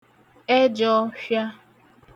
ẹjọ̄ọfhịa